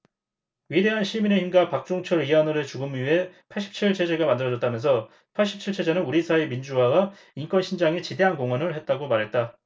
위대한 시민의 힘과 박종철 이한열의 죽음 위에 팔십 칠 체제가 만들어졌다면서 팔십 칠 체제는 우리 사회 민주화와 인권신장에 지대한 공헌을 했다고 말했다